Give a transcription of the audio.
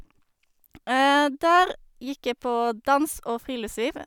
Der gikk jeg på dans og friluftsliv.